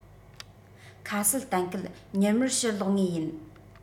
ཁ གསལ གཏན འཁེལ མྱུར མོར ཕྱིར ལོག ངེས ཡིན